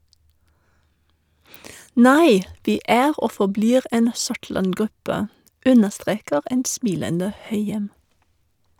- Nei , vi er og forblir en Sortland-gruppe, understreker en smilende Høyem.